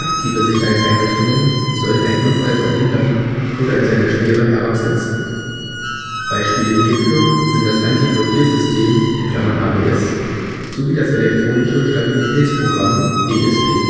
Aktive Sicherheitseinrichtungen sollen einen Unfall verhindern oder in seiner Schwere herabsetzen. Beispiele hierfür sind das Antiblockiersystem (ABS) sowie das elektronische Stabilitätsprogramm (ESP